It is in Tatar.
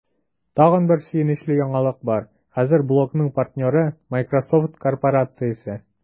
Тагын бер сөенечле яңалык бар: хәзер блогның партнеры – Miсrosoft корпорациясе!